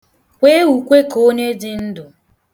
Kwee ukwe ka onye dị ndụ!